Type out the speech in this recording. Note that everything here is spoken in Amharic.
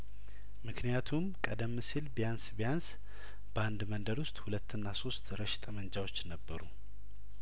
ምክንያቱም ቀደም ሲል ቢያንስ ቢያንስ በአንድ መንደር ውስጥ ሁለትና ሶስት ረሽ ጠመንጃዎች ነበሩ